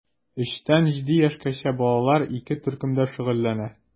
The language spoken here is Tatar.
3 тән 7 яшькәчә балалар ике төркемдә шөгыльләнә.